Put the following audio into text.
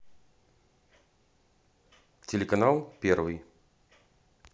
телеканал первый